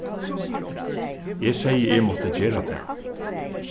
eg segði eg mátti gera tað